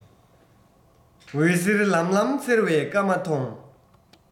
འོད ཟེར ལམ ལམ འཚེར བའི སྐར མ མཐོང